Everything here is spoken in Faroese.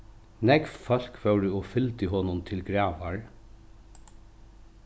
nógv fólk vóru og fylgdu honum til gravar